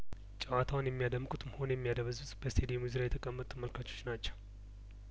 ጨዋታውን የሚያደምቁትም ሆኑ የሚያደበዝዙት በስታዲየሙ ዙሪያ የተቀመጡ ተመልካቾች ናቸው